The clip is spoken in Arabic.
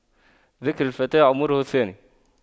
ذكر الفتى عمره الثاني